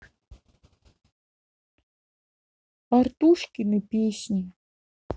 артушкины песни